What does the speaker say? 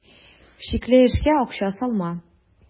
Шикле эшкә акча салма.